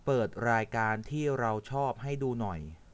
เปิดรายการที่เราชอบให้ดูหน่อย